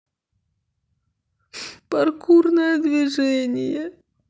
паркурное движение